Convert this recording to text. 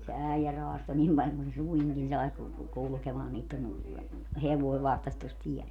se äijä raastoi niin paljon kuin se suinkin sai - kulkemaan niiden hevonen vahtasi tuossa tiellä